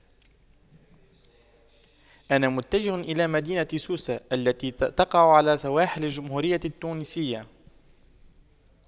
انا متجه إلى مدينة سوسة التي تقع على سواحل الجمهورية التونسية